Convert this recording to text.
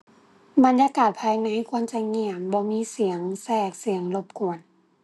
บรรยากาศภายในควรจะเงียบ บ่มีเสียงแทรก เสียงรบกวน